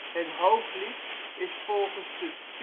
Het Hooglied is volgens de